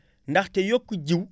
ndaxte yokku jiw